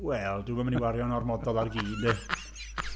Wel, dwi'm yn mynd i wario'n ormodol ar gi ynde .